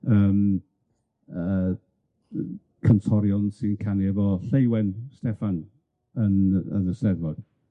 Yym yy yy cantorion sy'n canu efo Lleuwen Steffan yn yn y Steddfod,